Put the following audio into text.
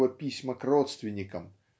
его письма к родственникам